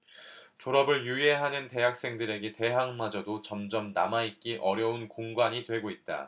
졸업을 유예하는 대학생들에게 대학마저도 점점 남아 있기 어려운 공간이 되고 있다